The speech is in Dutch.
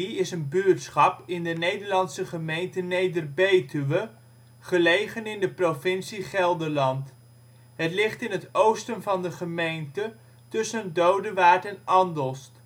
is een buurtschap in de Nederlandse gemeente Neder-Betuwe, gelegen in de provincie Gelderland. Het ligt in het oosten van de gemeente tussen Dodewaard en Andelst